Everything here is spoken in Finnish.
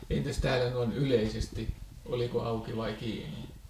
entäs täällä noin yleisesti oliko auki vaikka kiinni